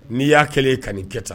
N'i y'a kɛlen ye ka'i kɛta